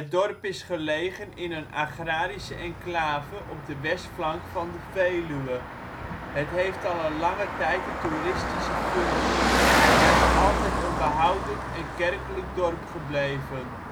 dorp is gelegen in een agrarische enclave op de westflank van de Veluwe. Het heeft al een lange tijd een toeristische functie, maar is altijd een behoudend en kerkelijk dorp gebleven